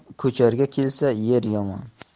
ko'charga kelsa yer yomon